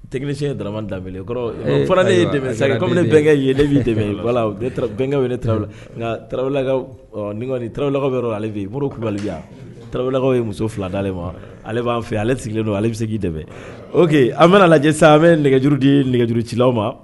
Deniksiyɛn ye daraman dan fɔra ne ye dɛ sa bɛnkɛ yelen' dɛ bɛnkɛ wele tarawele nka tarawelekaw ni tarawelelakaw ale i ku kulubalibaliya tarawelebulakaw ye muso fila dalenale ma ale b'a fɛ ale sigilen don ale bɛ se dɛ oke an bɛ lajɛ sa an bɛ nɛgɛjuru di nɛgɛjuru cilaw ma